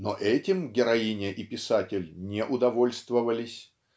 но этим героиня и писатель не удовольствовались